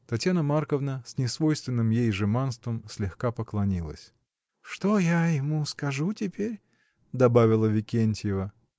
Татьяна Марковна, с несвойственным ей жеманством, слегка поклонилась. — Что я ему скажу теперь? — добавила Викентьева.